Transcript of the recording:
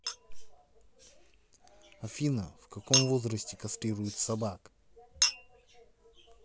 афина в каком возрасте кастрируют собак